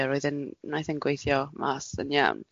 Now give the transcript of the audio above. ie roedd e'n wnaeth e'n gweithio mas yn iawn. Ie.